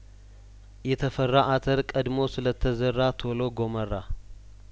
የተፈራ አተር ቀድሞ ስለተዘራ ቶሎ ጐመራ